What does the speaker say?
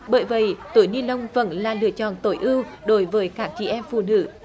bởi vậy túi ni lông vẫn là lựa chọn tối ưu đối với các chị em phụ nữ